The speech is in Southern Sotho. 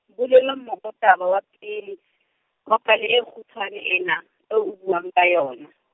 bolela mokotaba wa pele, wa pale e kgutshwane ena, eo o buang ka yona.